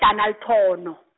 Denniltono.